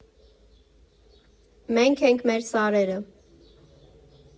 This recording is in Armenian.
Մենք ենք, մեր սարերը։